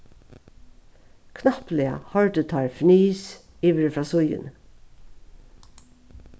knappliga hoyrdu teir fnis yviri frá síðuni